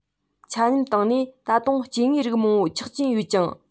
ཆ སྙོམས སྟེང ནས ད དུང སྐྱེ དངོས རིགས མང པོ ཆགས ཀྱིན ཡོད ཅིང